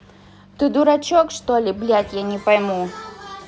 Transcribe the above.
ты дурачок что ли блядь я не пойму